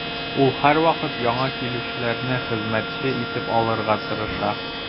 Ул һәрвакыт яңа килүчеләрне хезмәтче итеп алырга тырыша.